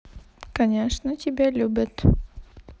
конечно тебя любят